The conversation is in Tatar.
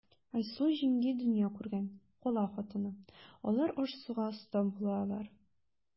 Айсылу җиңги дөнья күргән, кала хатыны, алар аш-суга оста булалар.